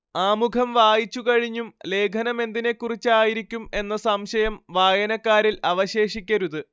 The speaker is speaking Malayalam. ആമുഖം വായിച്ചുകഴിഞ്ഞും ലേഖനമെന്തിനെക്കുറിച്ചായിരിക്കും എന്ന സംശയം വായനക്കാരിൽ അവശേഷിക്കരുത്